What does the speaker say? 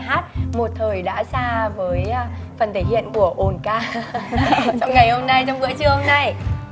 hát một thời đã xa với a phần thể hiện của ồn ca ha ha trong ngày hôm nay trong bữa trưa hôm nay